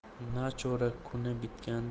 nachora kuni bitgan